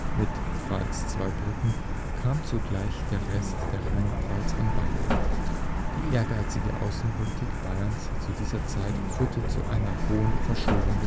Mit Pfalz-Zweibrücken kam zugleich der Rest der Rheinpfalz an Bayern. Die ehrgeizige Außenpolitik Bayerns zu dieser Zeit führte zu einer hohen Verschuldung